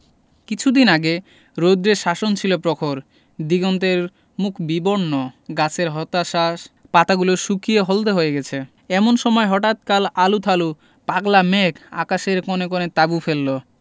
কিছুদিন আগে রৌদ্রের শাসন ছিল প্রখর দিগন্তের মুখ বিবর্ণ গাছের হতাশ্বাস পাতাগুলো শুকিয়ে হলদে হয়ে গেছে এমন সময় হঠাৎ কাল আলুথালু পাগলা মেঘ আকাশের কোণে কোণে তাঁবু ফেললো